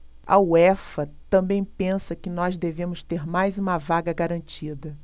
a uefa também pensa que nós devemos ter mais uma vaga garantida